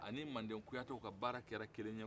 a ni manden kuyatɛ ka baara kɛra kelen ye